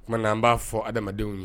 Tumana an b'a fɔ adamadenw ye